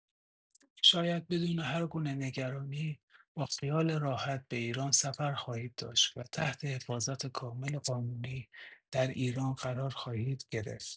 شاید بدون هرگونه نگرانی با خیال راحت به ایران سفر خواهید داشت و تحت حفاظت کامل قانونی در ایران قرار خواهید گرفت.